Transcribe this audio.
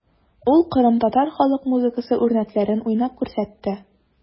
Ул кырымтатар халык музыкасы үрнәкләрен уйнап күрсәтте.